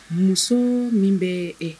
Muso min bɛ yen